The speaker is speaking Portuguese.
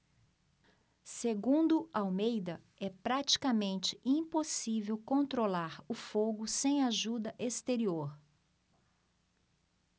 segundo almeida é praticamente impossível controlar o fogo sem ajuda exterior